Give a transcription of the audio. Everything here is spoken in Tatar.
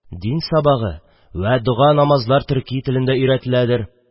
Дин сабагы вә дога-намазлар төрки телендә өйрәтеләдер.